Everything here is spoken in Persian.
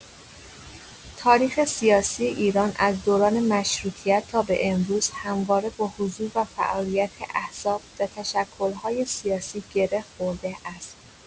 تاریخ سیاسی ایران از دوران مشروطیت تا به امروز، همواره با حضور و فعالیت احزاب و تشکل‌های سیاسی گره خورده است.